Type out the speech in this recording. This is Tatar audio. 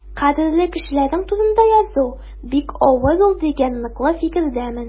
Кадерле кешеләрең турында язу бик авыр ул дигән ныклы фикердәмен.